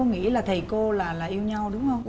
có nghĩa là thầy cô là là yêu nhau đúng không